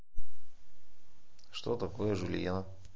что такое жульена